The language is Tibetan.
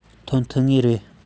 ཐོན ཐུབ ངེས ཡིན